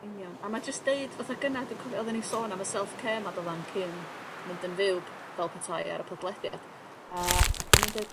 Union, a ma' jyst deud fatha gynna dwi cofio oddan ni sôn am y self care 'ma do'ddan cyn mynd yn fyw p- fel petai ar y podlediad a o'n i'n deud